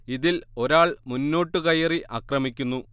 ഇതിൽ ഒരാൾ മുന്നോട്ടു കയറി അക്രമിക്കുന്നു